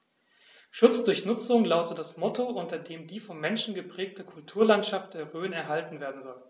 „Schutz durch Nutzung“ lautet das Motto, unter dem die vom Menschen geprägte Kulturlandschaft der Rhön erhalten werden soll.